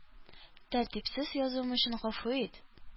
Тәртипсез язуым өчен гафу ит.